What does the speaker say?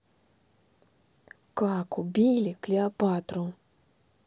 как убили клеопатру